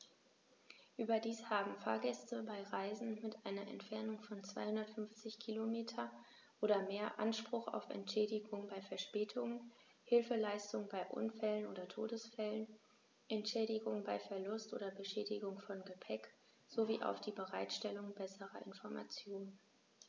Überdies haben Fahrgäste bei Reisen mit einer Entfernung von 250 km oder mehr Anspruch auf Entschädigung bei Verspätungen, Hilfeleistung bei Unfällen oder Todesfällen, Entschädigung bei Verlust oder Beschädigung von Gepäck, sowie auf die Bereitstellung besserer Informationen.